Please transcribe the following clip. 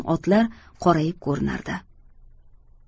otlar qorayib ko'rinardi